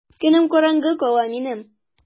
Көнем караңгы кала минем!